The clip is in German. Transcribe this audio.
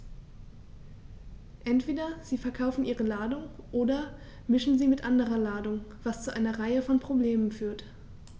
Entweder sie verkaufen ihre Ladung oder mischen sie mit anderer Ladung, was zu einer Reihe von Problemen führt.